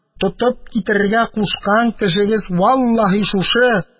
Тотып китерергә кушкан кешегез, валлаһи, шушы.